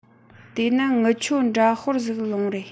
དེས ན ངི ཆོའ འདྲ དཔར ཟིག ལོངས རེས